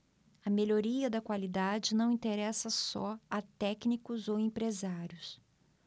a melhoria da qualidade não interessa só a técnicos ou empresários